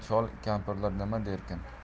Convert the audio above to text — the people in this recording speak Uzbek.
chol kampirlar nima derkin